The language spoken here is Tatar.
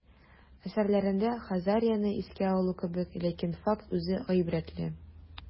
Әсәрләрендә Хазарияне искә алу кебек, ләкин факт үзе гыйбрәтле.